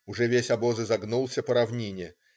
Уже весь обоз изогнулся по равнине.